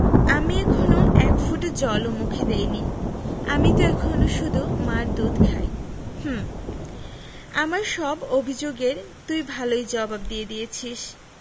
আমি এখনো এক ফোঁটা জল ও মুখে দিইনি আমি ত এখনো শুধু মার দুধ খাই হুম আমার সব অভিযোগ এর তুই ভালই জবাব দিয়ে দিয়েছিস